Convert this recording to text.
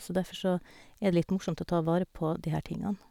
Så derfor så er det litt morsomt å ta vare på de her tingene.